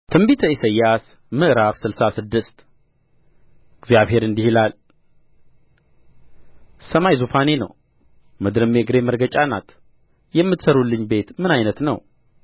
ትንቢተ ኢሳይያስ ምዕራፍ ስልሳ ስድስት እግዚአብሔር እንዲህ ይላል ሰማይ ዙፋኔ ነው ምድርም የእግሬ መረገጫ ናት የምትሠሩልኝ ቤት ምን ዓይነት ነው